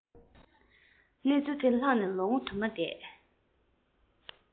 གནས ཚུལ དེ ལྷགས ནས ལོ ངོ དུ མ འདས